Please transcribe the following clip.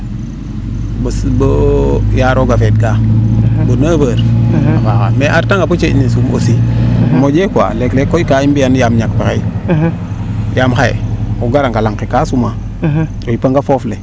bo yaa rooga feed kaa bo neuve heure a waaxa mais a reta nga bo ceeƴne sum aussi moƴe quoi leek leek koy kaa i mbiyan yaam o ñak pexe yaam xaye o gara nga laŋ ke kaa sumaa o yipa ngaa foof le